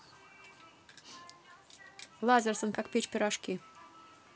лазерсон как печь пирожки